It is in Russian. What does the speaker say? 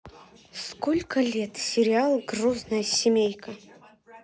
сколько лет сериал грозная семейка